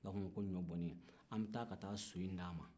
u b'a f'o ma ko ɲɔbonnen an bɛ taa so in d'a ma